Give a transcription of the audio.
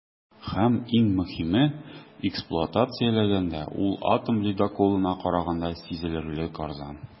Һәм, иң мөһиме, эксплуатацияләгәндә ул атом ледоколына караганда сизелерлек арзан.